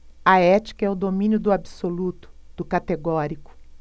a ética é o domínio do absoluto do categórico